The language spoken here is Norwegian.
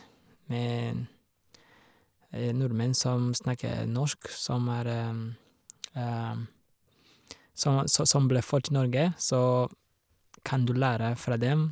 men Nordmenn som snakker norsk, som er som er så som ble født i Norge, så kan du lære fra dem.